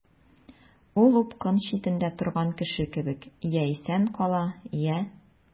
Ул упкын читендә торган кеше кебек— я исән кала, я...